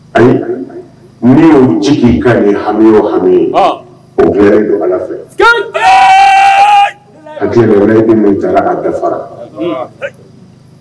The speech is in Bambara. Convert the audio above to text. Ayi ne y' ci ka ye hami hami ye o yɛrɛ don ala fɛ a g wɛrɛ ye bɛ mun a dafa fara